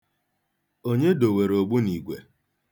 Onye dowere ogbunigwe?